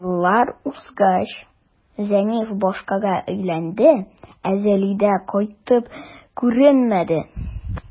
Еллар узгач, Зәниф башкага өйләнде, ә Зәлидә кайтып күренмәде.